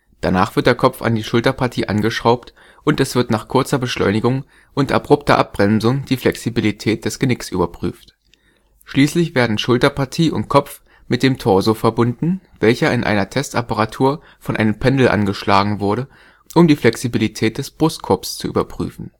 Danach wird der Kopf an die Schulterpartie angeschraubt, und es wird nach kurzer Beschleunigung und abrupter Abbremsung die Flexibilität des Genicks überprüft. Schließlich werden Schulterpartie und Kopf mit dem Torso verbunden, welcher in einer Testapparatur von einem Pendel angeschlagen wurde, um die Flexibilität des Brustkorbes zu überprüfen